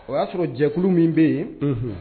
O y'a sɔrɔ jɛkulu min bɛ yen, , unhun.